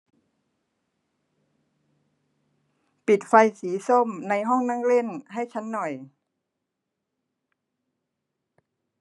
ปิดไฟสีส้มในห้องนั่งเล่นให้ฉันหน่อย